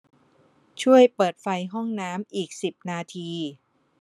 ช่วยเปิดไฟห้องน้ำอีกสิบนาที